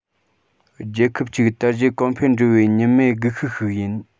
རྒྱལ ཁབ ཅིག དར རྒྱས གོང འཕེལ འགྲོ བའི ཉམས མེད སྒུལ ཤུགས ཤིག ཡིན